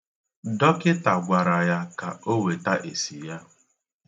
Dọkiṭa gwara ya ka o weta esi ya.